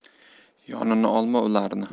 yonini olma ularni